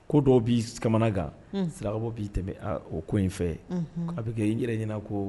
Ko dɔw b'i kamana gan. Un. sarakabɔ b'i tɛmɛ, aa o ko in fɛ. Unhun. A bɛ kɛ i yɛrɛ ɲɛna ko.